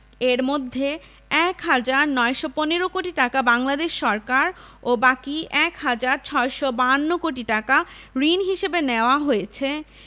এর মধ্যে ১ হাজার ৩১৫ কোটি টাকা বাংলাদেশ সরকার ও বাকি ১ হাজার ৬৫২ কোটি টাকা ঋণ হিসেবে নেওয়া হয়েছে